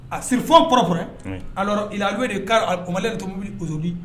A sirifɔ kɔrɔ fɔ dɛ, unhun, alors il a loué le ca aux Maliennes d'automobil aujourd'hui